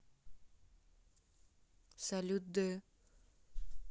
salut д